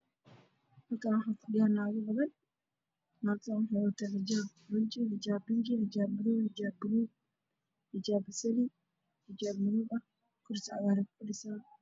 Waa meel hawl ah waxaa iskugu imaadeen dad aad u fara badan waana gabdho xijaabiye cabaahido ayey wataan